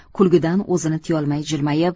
kulgidan o'zini tiyolmay jilmayib